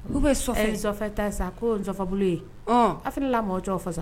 U bɛ sofɛ ta sisan kofabolo ye a fana la mɔgɔ jɔ fasɔ